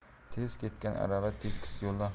tez ketgan arava tekis